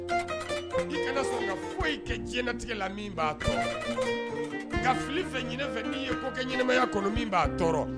I sɔrɔ foyi kɛ diɲɛɲɛnatigɛ la fili fɛfɛ n' yeya b'a